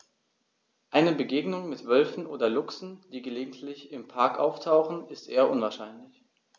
Eine Begegnung mit Wölfen oder Luchsen, die gelegentlich im Park auftauchen, ist eher unwahrscheinlich.